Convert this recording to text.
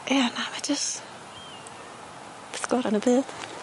Ie na ma' jys peth gora'n y byd.